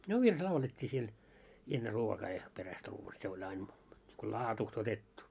no virsi laulettiin siellä ennen ruokaa ja perästä ruoan se oli aina kuin laadusta otettu